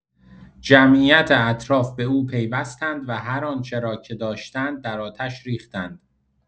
جمعیت اطراف به او پیوستند و هر آنچه را که داشتند، در آتش ریختند.